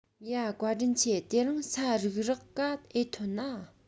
ཡ བཀའ དྲིན ཆེ དེ རིང ས རུག རེག ག ཨེ ཐོན ན